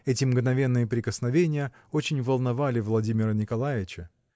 эти мгновенные прикосновения очень волновали Владимира Николаича.